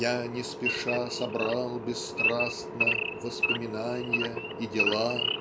Я, не спеша, собрал бесстрастно Воспоминанья и дела